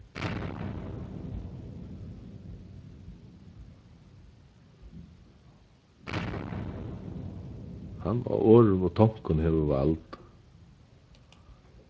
hann á orðum og tonkum hevur vald